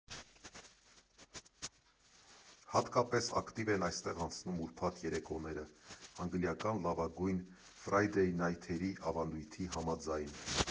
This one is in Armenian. Հատկապես ակտիվ են այստեղ անցնում ուրբաթ երեկոները՝ անգլիական լավագույն ֆրայդեյնայթերի ավանդույթի համաձայն։